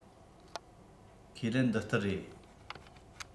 ཁས ལེན འདི ལྟར རེད